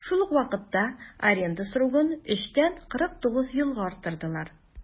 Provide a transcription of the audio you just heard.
Шул ук вакытта аренда срогын 3 тән 49 елга арттырдылар.